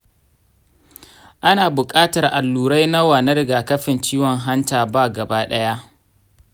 ana bukatar allurai nawa na rigakafin ciwon hanta b gaba ɗaya?